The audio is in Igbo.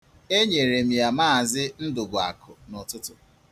Enyere m ya Mz. Ndụ̀bụ̀àkù n'ụtụtụ.